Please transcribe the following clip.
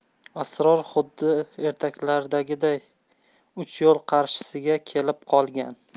asror xuddi ertaklardagiday uch yo'l qarshisiga kelib qolgan